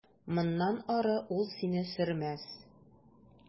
Моннан ары ул сине сөрмәс.